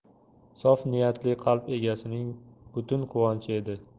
sof niyatli qalb egasining butun quvonchi edi